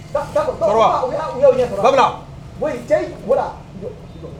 Cɛ la